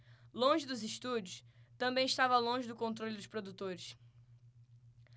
longe dos estúdios também estava longe do controle dos produtores